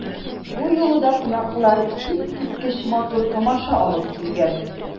Бу юлы да кунаклар искиткеч матур тамаша алып килгән.